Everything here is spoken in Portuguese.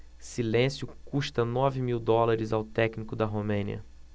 silêncio custa nove mil dólares ao técnico da romênia